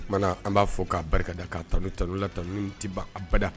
O kumana an b'a fɔ k'a barikada' ta ta la tan ni tɛ ban abada